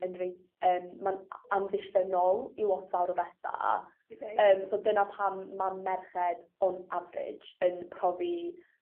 yn reit yym ma'n a- amddiffynnol i lot fawr o betha... Ydi. ...yym so dyna pam ma' merched on average yn profi